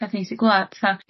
Peth neis i glywad. Petha.